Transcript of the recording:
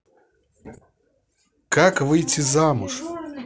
как выйти замуж